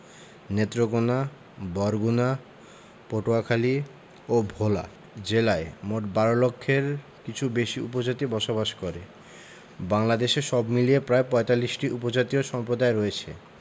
নেত্রকোনা বরগুনা পটুয়াখালী ও ভোলা জেলায় মোট ১২ লক্ষের কিছু বেশি উপজাতি বসবাস করে বাংলাদেশে সব মিলিয়ে প্রায় ৪৫টি উপজাতীয় সম্প্রদায় রয়েছে